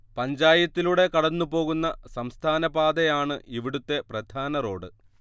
പഞ്ചായത്തിലൂടെ കടന്നുപോകുന്ന സംസ്ഥാനപാത ആണ് ഇവിടുത്തെ പ്രധാന റോഡ്